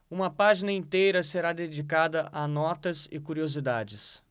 uma página inteira será dedicada a notas e curiosidades